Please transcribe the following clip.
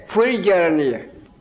foli diyara ne ye